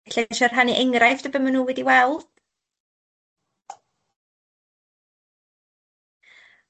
Ella isio rhannu enghraifft o be' ma' nw wedi wel'?